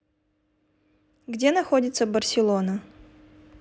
где находится барселона